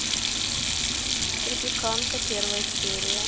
тропиканка первая серия